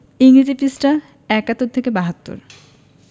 ইংরেজি পৃঃ ৭১-৭২